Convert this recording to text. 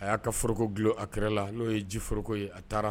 A y'a ka foroko dulon a kɛrɛ la, n'o ye ji foroko ye, a taara.